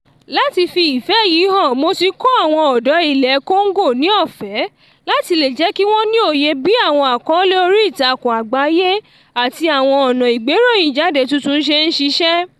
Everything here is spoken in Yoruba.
Láti fi ìfẹ́ yìí hàn, mo ti kọ́ àwọn ọ̀dọ́ ilẹ̀ Congo ní ọ̀fẹ́ láti lè jẹ́ kí wọ́n ní òye bí àwọn àkọọ́lẹ̀ oríìtakùn àgbáyé àti àwọn ọ̀nà ìgbéròyìnjáde tuntun ṣe ń ṣiṣẹ́.